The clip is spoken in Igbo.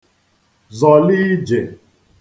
zọ̀li ijè